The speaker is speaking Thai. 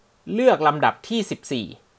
เลือกลำดับที่สิบสี่